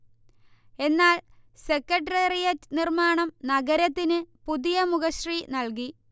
എന്നാൽ സെക്രട്ടേറിയറ്റ് നിര്മ്മാണം നഗരത്തിന് പുതിയ മുഖശ്രീ നല്കി